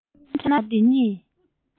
རྣམ གྲངས འདི ཉིད